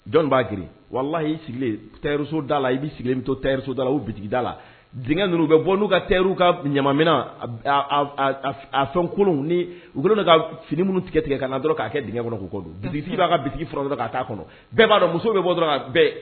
Dɔnni b'a g wala y'i sigilen tariso da la i bɛ sigilen to tarisoda la u bi da la d ninnu bɛ bɔ n'u ka ka ɲamina a fɛn kolon ni u bolo ka finiunu tigɛ ka kana'a dɔrɔn' kɛ dgɛ kɔnɔ k'siri b'a bin fara la ka taaa kɔnɔ bɛɛ b'a dɔn muso bɛ bɔ dɔrɔn bɛɛ